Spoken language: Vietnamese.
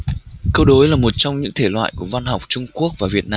câu đối là một trong những thể loại của văn học trung quốc và việt